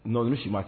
N si ma